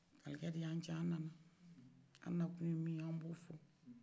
falikɛ de y'an ci an nan kun ye min ye an b'o fɔ